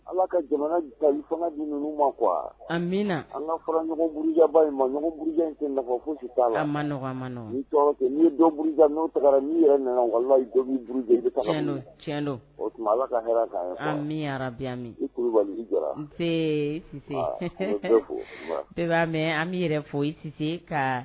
Ala ka jamana ma anmina an' faraurujaba in mauru an ma ma yɛrɛ o tuma ala an min arabi min i kulubalia mɛ an bɛ yɛrɛ fo isise ka